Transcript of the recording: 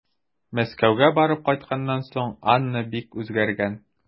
Мәскәүгә барып кайтканнан соң Анна бик үзгәргән.